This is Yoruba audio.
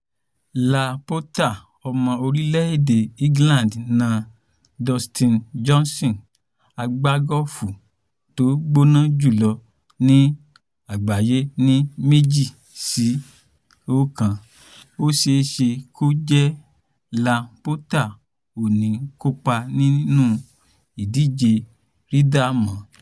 Ian Poulter, ọmọ orílẹ̀-èdè England na Dustin Johnson, agbágọ́ọ̀fù tó gbóná jùlọ ní àgbáyé ní 2 sí 1. Ó ṣeéṣe kó jẹ́ Ian Poulter ò ní kópa nínú ìdíje Ryder mọ́.